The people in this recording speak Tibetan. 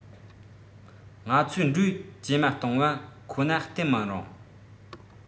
ང ཚོའི འགྲོས ཇེ དམའ སྟོང བ ཁོ ན བརྟེན མི རུང